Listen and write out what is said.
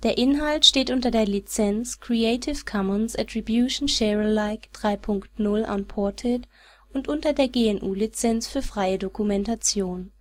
Inhalt steht unter der Lizenz Creative Commons Attribution Share Alike 3 Punkt 0 Unported und unter der GNU Lizenz für freie Dokumentation